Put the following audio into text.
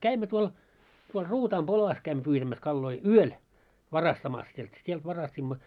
kävimme tuolla tuolla Ruutaan polassa kävimme pyytämässä kaloja yöllä varastamassa sieltä sieltä varastimme